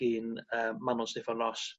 un yy Manon Steffan Ros.